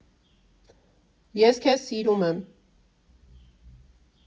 Ես քեզ սիրում եմ։